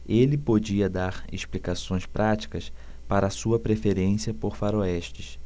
ele podia dar explicações práticas para sua preferência por faroestes